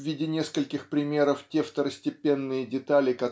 в виде нескольких примеров те второстепенные детали